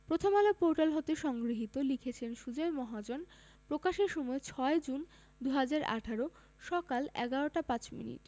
Prothom Alo portal হতে সংগৃহীত লিখেছেন সুজয় মহাজন প্রকাশের সময় ৬জুন ২০১৮ সকাল ১১টা ৫ মিনিট